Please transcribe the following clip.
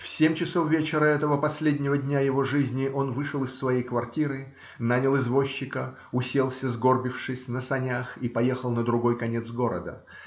В семь часов вечера этого последнего дня его жизни он вышел из своей квартиры, нанял извозчика, уселся, сгорбившись, на санях и поехал на другой конец города.